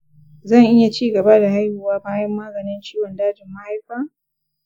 zan iya ci gaba da haihuwa bayan maganin ciwon dajin mahaifa?